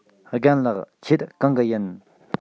རྒན ལགས ཁྱེད གང གི ཡིན